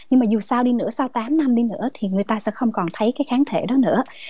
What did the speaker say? nhưng mà dù sao đi nữa sau tám năm đi nữa thì người ta sẽ không còn thấy cái kháng thể đó nữa